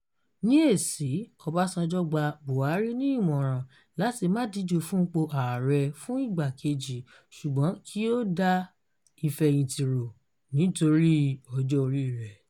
Ní èṣí, Ọbásanjọ́ gba Buhari ni ìmọ̀ràn láti má díje fún ipò Ààrẹ fún ìgbà kejì, ṣùgbọ́n kí ó "da ìfẹ̀yìntì rò nítorí ọjọ́ oríi rẹ̀ ".